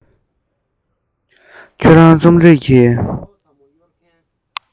ཁྱོད རང རྩོམ རིག གི